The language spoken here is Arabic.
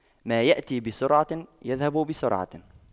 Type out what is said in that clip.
ما يأتي بسرعة يذهب بسرعة